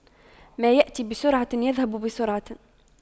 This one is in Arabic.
ما يأتي بسرعة يذهب بسرعة